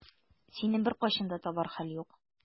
Сине беркайчан да табар хәл юк.